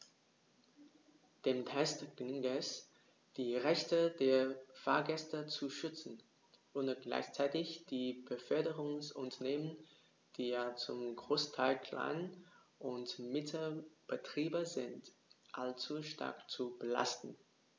Dem Text gelingt es, die Rechte der Fahrgäste zu schützen, ohne gleichzeitig die Beförderungsunternehmen - die ja zum Großteil Klein- und Mittelbetriebe sind - allzu stark zu belasten.